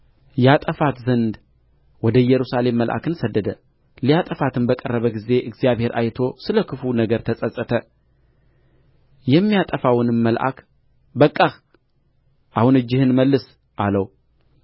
ያጠፋት ዘንድ ወደ ኢየሩሳሌም መልአክን ሰደደ ሊያጠፋትም በቀረበ ጊዜ እግዚአብሔር አይቶ ስለ ክፉው ነገር ተጸጸተ የሚያጠፋውንም መልአክ በቃህ አሁን እጅህን መልስ አለው